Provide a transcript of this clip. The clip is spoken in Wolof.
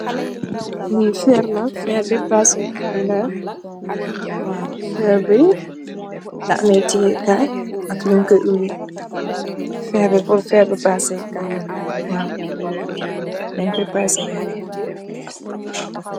Li ferr la. Ferr bi passe kaye la. Waaw, ferr bi da ameh tiyee kaye ak lin koye ubeh, ferr bi purr ferr li passe Kaye la. Waaw, deng koye passe yereh.